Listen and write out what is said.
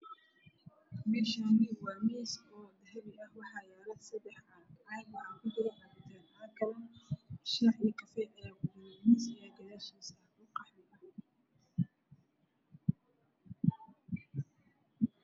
Meeshaan waa miis dahabi ah waxaa yaalo seddex caag. Caag waxaa kujiro cabitaan caaga kalana waxaa kujiro shaax iyo kafay. Miis ayaa gadaashiisa saaran oo qaxwi ah.